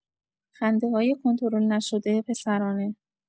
خنده‌های کنترل‌نشده پسرانه